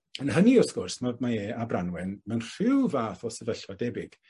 Yn hynny wrth gwrs ma- mae e a Branwen mewn rhyw fath o sefyllfa debyg.